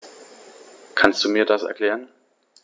Kannst du mir das erklären?